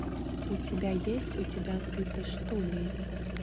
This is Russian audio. у тебя есть у тебя ты то что ли